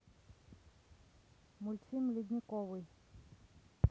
мультфильм ледниковый